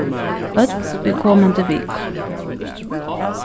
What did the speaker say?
ódn í komandi viku